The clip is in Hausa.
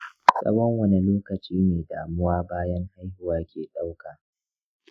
tsawon wane lokacin ne damuwa bayan haihuwa ke ɗauka?